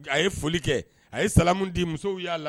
A ye foli kɛ, a ye salamu di muso y'a laminɛ.